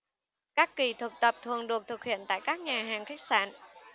các kỳ thực tập thường được thực hiện tại các nhà hàng khách sạn